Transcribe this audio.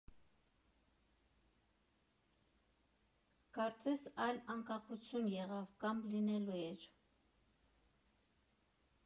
Կարծես այլ անկախություն եղել կամ լինելու էր։